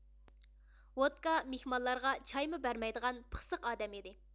ۋودكا مېھمانلارغا چايمۇ بەرمەيدىغان پىخسىق ئادەم ئىدى